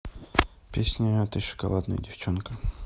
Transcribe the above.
песня ты шоколадная девчонка